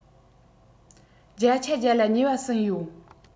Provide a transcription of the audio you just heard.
རྒྱ ཆ རྒྱ ལ ཉེ བ ཟིན ཡོད